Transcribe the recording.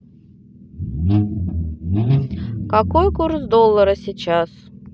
какой курс доллара сейчас